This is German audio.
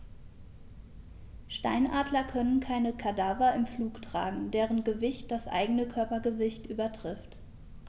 Steinadler können keine Kadaver im Flug tragen, deren Gewicht das eigene Körpergewicht übertrifft.